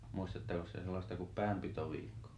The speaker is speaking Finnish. muistattekos te sellaista kuin päänpitoviikko